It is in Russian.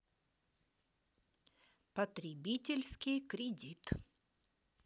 потребительский кредит